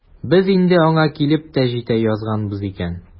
Без инде аңа килеп тә җитә язганбыз икән.